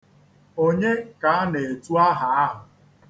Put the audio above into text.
Onye ka a na-etu aha ahụ?